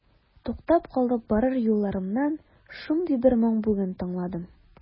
Туктап калып барыр юлларымнан шундый бер моң бүген тыңладым.